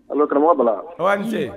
A karamɔgɔma balase